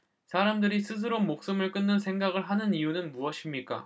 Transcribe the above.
사람들이 스스로 목숨을 끊을 생각을 하는 이유는 무엇입니까